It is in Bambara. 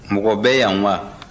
mɔgɔ bɛ yan wa